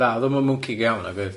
Na oedd o'm yn mwnci go iawn nag oedd?